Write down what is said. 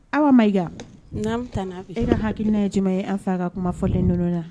Aw ma i n'an tan e ka hakiina ye jama ye an fa a ka kuma fɔlen n nɔn na